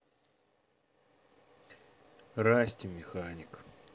расти механик